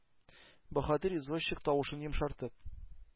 Баһадир извозчик, тавышын йомшартып,